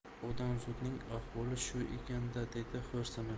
odamzodning ahvoli shu ekan da dedi xo'rsinib